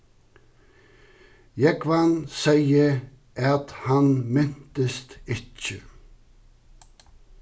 jógvan segði at hann mintist ikki